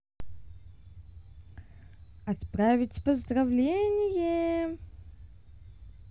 отправить поздравление